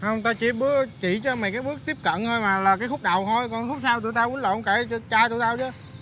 hông tao chỉ bước chỉ cho mày cái bước tiếp cận hoi mà là cái khúc đầu hôi còn cái khúc sau tụi tao uýnh lộn kệ cha tụi tao chớ